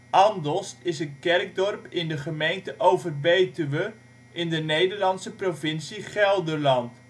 Andelst is een kerkdorp in de gemeente Overbetuwe, in de Nederlandse provincie Gelderland